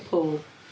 Sheeple.